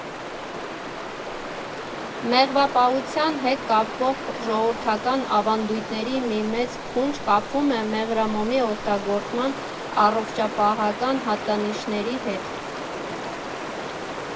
Մեղվապահության հետ կապվող ժողովրդական ավանդույթների մի մեծ փունջ կապվում է մեղրամոմի օգտագործման առողջապահական հատկանիշների հետ։